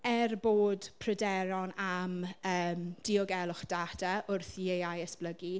Er bod pryderon am yym diogelwch data, wrth i AI esblygu.